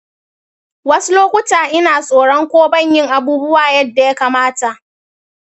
wasu lokuta ina tsoron ko ban yin abubuwa yadda ya kamata.